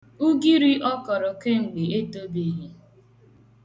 Ugiri ọ kọrọ kemgbe etobeghị.